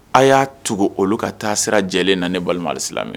A y'a tugu olu ka taa sira jɛ na ne balima silamɛ